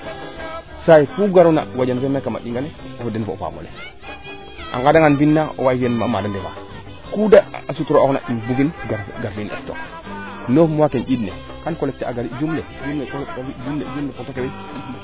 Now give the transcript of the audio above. saayfu ga'roona wajan ne mi xay kama ɗingale den fo o faamole a ngaada nga mbina owey fiyan maade ndefa kede sutura ooxna den njegun gar fi stock neuf mois ke njind ne kam collecte a gar